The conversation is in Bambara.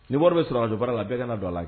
Ni bɔra bɛ surakajɔrra la bɛɛ ka don la